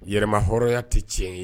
Yɛrɛma hɔrɔnya tɛ tiɲɛ ye